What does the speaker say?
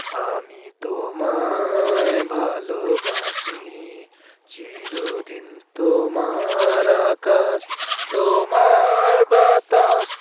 আমি তোমায় ভালোবাসি চির দিন তোমার আকাশ তোমার বাতাস